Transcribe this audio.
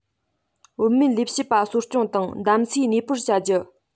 བུད མེད ལས བྱེད པ གསོ སྐྱོང དང གདམ གསེས གནས སྤར བྱ རྒྱུ